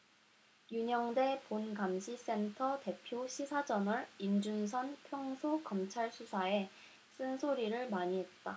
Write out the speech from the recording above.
윤영대 본감시센터 대표 시사저널 임준선 평소 검찰수사에 쓴소리를 많이 했다